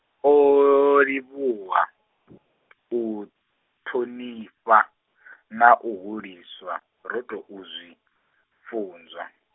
u livhuwa, u ṱhonifha , na u hulisa, ro tou zwi, funzwa.